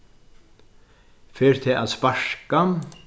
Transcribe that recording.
fer tað at sparka